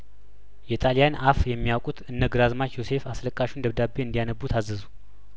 የት ሊያን አፍ የሚያውቁት እነ ግራ ዝማች ዮሴፍ አስለቃ ሹን ደብዳቤ እንዲያነቡ ታዘዙ